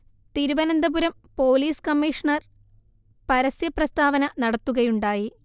Thiruvananthapuram police commissioner പരസ്യപ്രസ്താവന നടത്തുകയുണ്ടായി